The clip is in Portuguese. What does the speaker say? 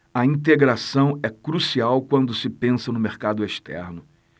a integração é crucial quando se pensa no mercado externo